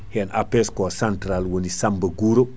hen APS ko central woni Samba Guro